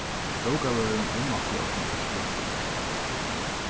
bókavørðurin viðmælti okkum ikki bøkur